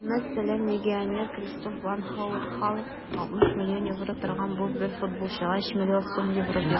Мәсәлән, легионер Кристоф ван Һаут (Халк) 60 млн евро торган - бу бер футболчыга 3 млрд сум евро!